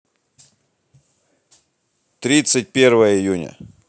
тридцать первое июня